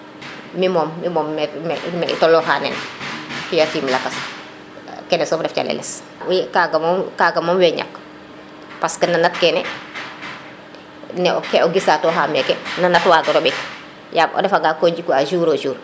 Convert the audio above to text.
mi mom mi mom me i toloxa fiya tim lakas kene som ref caleles i kaga mom kaga mom we niak parce que no nat kene ne ke o gisa toxa make no nat waga no ɓekyam o refa nga ko jik wa jour au jour